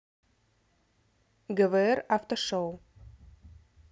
гвр автошоу